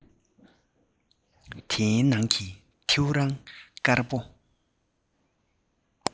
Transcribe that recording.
དེའི ནང གི ཐེའུ རང དཀར པོ